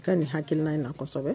I ka nin hakilina in nasɛbɛ kosɛbɛ